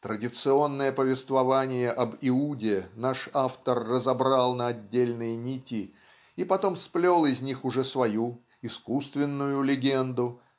Традиционное повествование об Иуде наш автор разобрал на отдельные нити и потом сплел из них уже свою искусственную легенду